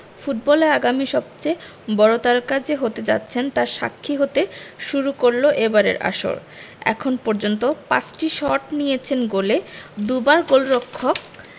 ফুটবলে আগামীর সবচেয়ে বড় তারকা যে হতে যাচ্ছেন তার সাক্ষী হতে শুরু করল এবারের আসর এখন পর্যন্ত ৫টি শট নিয়েছেন গোলে দুবার গোলরক্ষক